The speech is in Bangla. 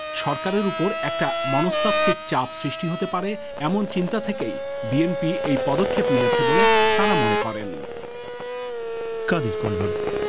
সরকারের উপর একটা মনস্তাত্ত্বিক চাপ সৃষ্টি হতে পারে এমন চিন্তা থেকেই বিএনপি এ পদক্ষেপ নিয়েছে বলে তারা মনে করেন কাদির কল্লোল